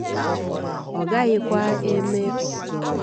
Ọ gaghịkwa eme ọzọ'